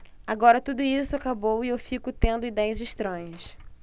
agora tudo isso acabou e eu fico tendo idéias estranhas